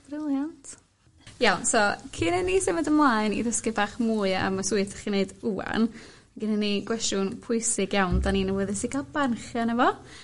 Brilliant! Iawn so cyn i ni symud ymlaen i ddysgu bach mwy am y swydd 'dach chi'n neud ŵan ma' ginnon ni gwesiwn pwysig iawn 'dan ni'n awyddus i ga'l barn chi arno fo.